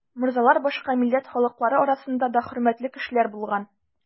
Морзалар башка милләт халыклары арасында да хөрмәтле кешеләр булган.